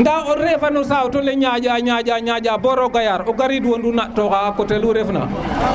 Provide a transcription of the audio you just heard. nda o refa na o saw to le ñaƴa ñaƴa ñaƴa bo roga yaar o garid wondu nan toxa coté lu ref na